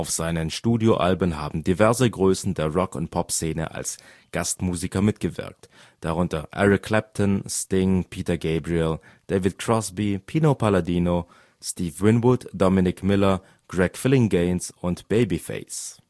seinen Studioalben haben diverse Größen der Rock - und Popszene als Gastmusiker mitgewirkt, darunter Eric Clapton, Sting, Peter Gabriel, David Crosby, Pino Palladino, Steve Winwood, Dominic Miller, Greg Phillinganes und Babyface